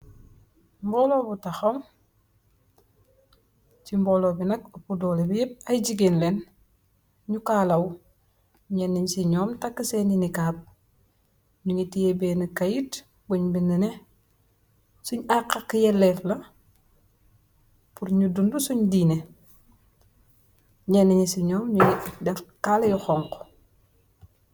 mboolo bu taxaw ci mbooloo bi nag appu doole bi yépp ay jigéen leen ñu kaalaw ñennñ ci ñoom takk seeni ni kaab ñu ngi té benn kayit buñ binn ne suñ àqak yelleef la pur ñu dund suñ diine ñenn ñ ci ñoom ñu def kaalayu xonk.